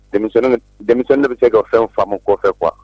Denmisɛn is de bɛ se ka fɛn faamu kɔfɛ quoi